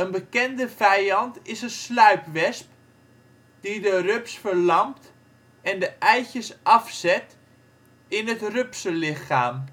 bekende vijand is een sluipwesp, die de rups verlamt en de eitjes afzet in het rupsenlichaam